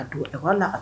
Ka tile école la